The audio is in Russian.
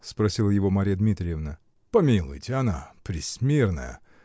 -- спросила его Марья Дмитриевна. -- Помилуйте, она пресмирная